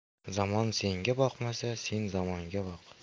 zamon senga boqmasa sen zamonga boq